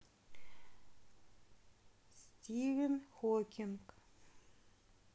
стивен хоккинг